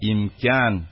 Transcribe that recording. Имкян